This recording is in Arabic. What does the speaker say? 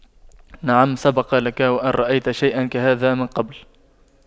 نعم سبق لك وأن رأيت شيئا كهذا من قبل